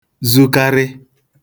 zukarị